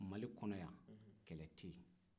mali kɔnɔ yan kɛlɛ tɛ yen